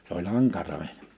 se oli ankara -